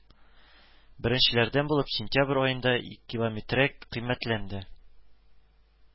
Беренчеләрдән булып сентябрь аенда икилометрәк кыйммәтләнде